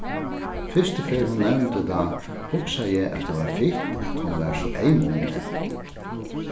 fyrstu ferð hon nevndi tað hugsaði eg at tað var fitt at hon var so eym um meg